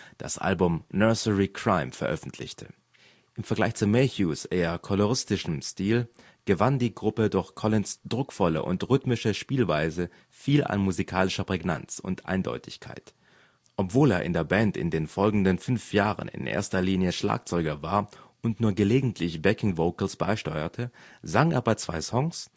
das Album Nursery Cryme (1971) veröffentlichte. Im Vergleich zu Mayhews eher koloristischem Stil (Ausschnitt aus Looking for Someone? / i) gewann die Gruppe durch Collins ' druckvolle und rhythmische Spielweise viel an musikalischer Prägnanz und Eindeutigkeit. Obwohl er in der Band in den folgenden fünf Jahren in erster Linie Schlagzeuger war und nur gelegentlich Backing Vocals beisteuerte, sang er bei zwei Songs